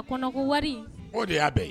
A kɔnɔko wari o de y'a bɛ yen